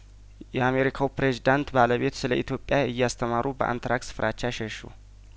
የአሜሪካው ፕሬዝዳንት ባለቤት ስለኢትዮጵያ እያስተማሩ በአንትራክስ ፍራቻ ሸሹ